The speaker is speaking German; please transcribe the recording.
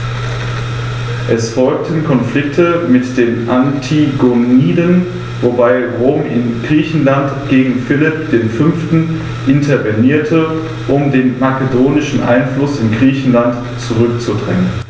Es folgten Konflikte mit den Antigoniden, wobei Rom in Griechenland gegen Philipp V. intervenierte, um den makedonischen Einfluss in Griechenland zurückzudrängen.